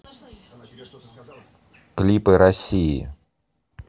клипы россии